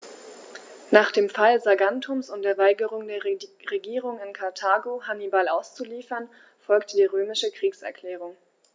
Nach dem Fall Saguntums und der Weigerung der Regierung in Karthago, Hannibal auszuliefern, folgte die römische Kriegserklärung.